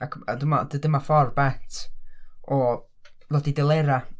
ac a dyma d- dyma ffordd Bet o ddod i delerau.